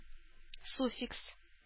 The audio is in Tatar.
Суффикс